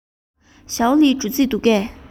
ཞའོ ལིའི འགྲོ རྩིས འདུག གས